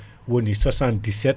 woni 77